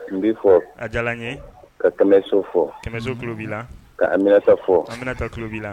N bɛ fɔ a diyara ye ka tɛmɛso fɔ kɛmɛso tulo bbii la ka anminata fɔ anminata kulu bbii